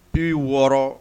'i wɔɔrɔ